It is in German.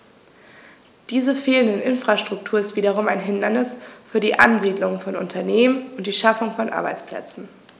Diese fehlende Infrastruktur ist wiederum ein Hindernis für die Ansiedlung von Unternehmen und die Schaffung von Arbeitsplätzen.